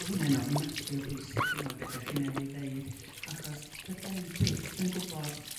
Ma' hwnna'n ofnadwy o bwysig dwi me'wl be' 'dach chi newy' ddeud achos dyden ni byth yn gw'bod